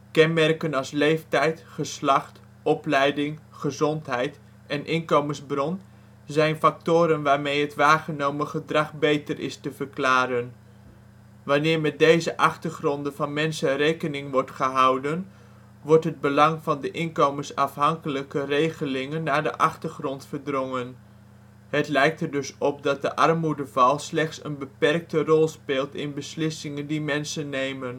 Kenmerken als leeftijd, geslacht, opleiding, gezondheid en inkomensbron zijn factoren waarmee het waargenomen gedrag beter is te verklaren. Wanneer met deze achtergronden van mensen rekening wordt gehouden, wordt het belang van de inkomensafhankelijke regelingen naar de achtergrond verdrongen. Het lijkt er dus op dat de armoedeval slechts een beperkte rol speelt in de beslissingen die mensen nemen